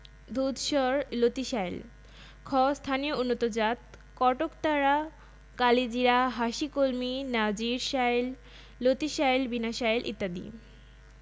দুধসর লতিশাইল খ স্থানীয় উন্নতজাতঃ কটকতারা কালিজিরা হাসিকলমি নাজির শাইল লতিশাইল বিনাশাইল ইত্যাদি